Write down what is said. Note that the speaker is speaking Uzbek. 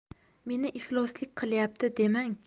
meni ifloslik qilyapti demang